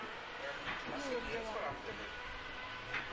Юлым дәвам иттем